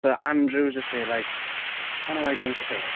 But Andrew was just there like "Oh no, I don't care".